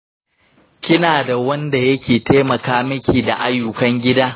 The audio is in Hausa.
kina da wanda yake taimaka miki da ayyukan gida?